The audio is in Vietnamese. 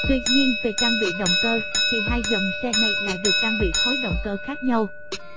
tuy nhiên về trang bị động cơ thì dòng xe này lại được trang bị khối động cơ khác nhau